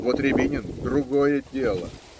Вот Рябинин - другое дело